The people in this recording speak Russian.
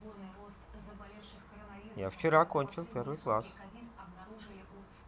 я вчера окончил первый класс